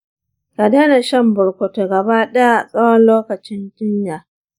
ka daina shan burukutu gaba ɗaya tsawon lokacin jinya.